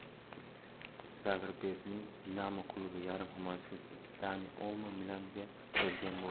zagrebning dinamo klubi yarim himoyachisi dani olmo milan ga o'tadigan bo'ldi